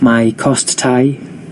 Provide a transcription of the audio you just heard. Mae cost tai,